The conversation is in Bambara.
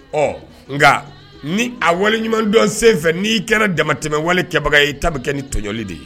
Ɔ nka ni a wale ɲumandon sen fɛ n' ii kɛra damatɛmɛwale kɛbaga ye i ta bɛ kɛ ni tɔjɔli de ye